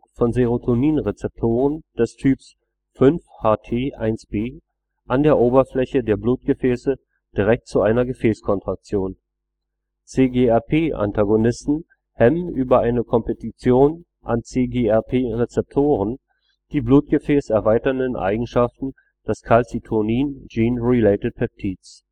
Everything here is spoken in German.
von Serotonin-Rezeptoren des Typs 5-HT1B an der Oberfläche der Blutgefäße direkt zu einer Gefäßkontraktion. CGRP-Antagonisten hemmen über eine Kompetition an CGRP-Rezeptoren die blutgefäßerweiternden Eigenschaften des Calcitonin Gene-Related Peptides